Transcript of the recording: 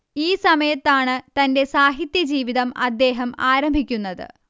ഈ സമയത്താണ് തന്റെ സാഹിത്യ ജീവിതം അദ്ദേഹം ആരംഭിക്കുന്നത്